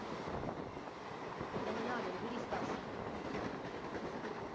это не надо убери стас